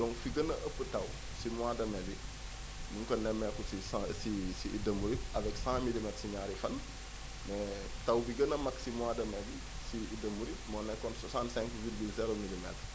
donc fi gën a ëpp taw si mois de mai bi ñu ngi ko nemmeeku si 100 si si si Idda Mouride avec 100 milimètres si ñaari fan mais taw bi gën a mag si mois de mai bi ci Idda Mouride moo nekkoon 65 virgule 0 milimètre